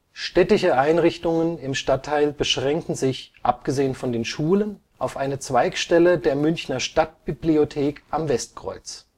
Städtische Einrichtungen im Stadtteil beschränken sich abgesehen von den Schulen auf eine Zweigstelle der Münchner Stadtbibliothek am Westkreuz